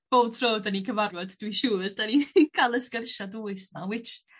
bob tro 'dan ni'n cyfarfod dwi'n siŵr 'dan ni ca'l y sgyrsia dwys 'ma which